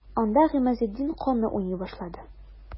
Анда Гыймазетдин каны уйный башлады.